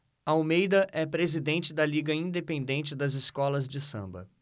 almeida é presidente da liga independente das escolas de samba